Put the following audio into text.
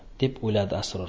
deb uyladi sror